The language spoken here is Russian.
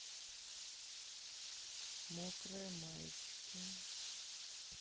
мокрые маечки